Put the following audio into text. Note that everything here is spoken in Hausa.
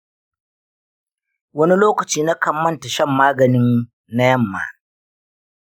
wani lokaci nakan manta shan maganin na yamma.